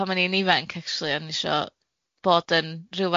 pan o'n i'n ifanc acshyli o'n i isho bod yn ryw